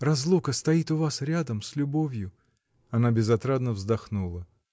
Разлука стоит у вас рядом с любовью! — Она безотрадно вздохнула.